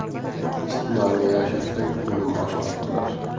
isitmani yashirsang o'lim oshkor qilar